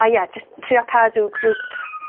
A ie, jys trio cadw grŵp